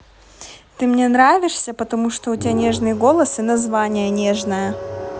ты мне нравишься потому что у тебя нежный голос и название нежное